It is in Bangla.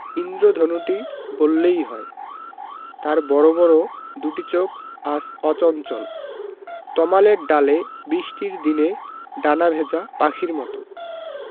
ঈন্দ্রধনুটি বললেই হয় তার বড় বড় দুটি চোখ আজ অচঞ্চল তমালের ডালে বৃষ্টির দিনে ডানা ভেজা পাখির মত